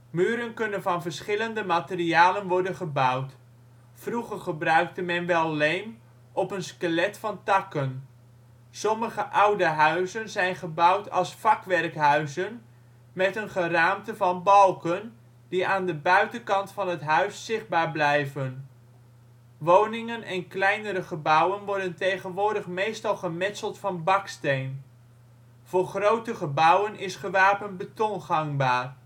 Muren kunnen van verschillende materialen worden gebouwd. Vroeger gebruikte men wel leem op een skelet van takken. Sommige oude huizen zijn gebouwd als vakwerkhuizen met een geraamte van balken, die aan de buitenkant van het huis zichtbaar blijven. Woningen en kleinere gebouwen worden tegenwoordig meestal gemetseld van baksteen. Voor grote gebouwen is gewapend beton gangbaar